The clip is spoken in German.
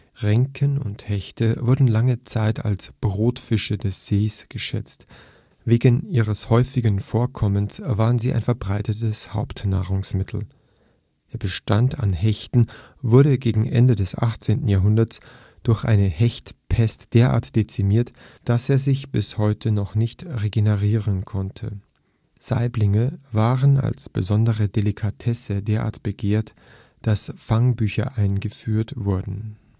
Renken und Hechte wurden lange Zeit als „ Brotfische “des Sees geschätzt, wegen ihres häufigen Vorkommens waren sie ein verbreitetes Hauptnahrungsmittel. Der Bestand an Hechten wurde gegen Ende des 18. Jahrhunderts durch eine Hechtpest derart dezimiert, dass er sich bis heute nicht regenerieren konnte. Saiblinge waren als besondere Delikatesse derart begehrt, dass Fangbücher eingeführt wurden